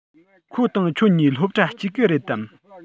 ཁོ དང ཁྱོད གཉིས སློབ གྲྭ གཅིག གི རེད དམ